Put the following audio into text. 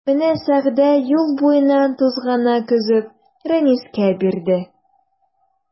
Менә Сәгъдә юл буеннан тузганак өзеп Рәнискә бирде.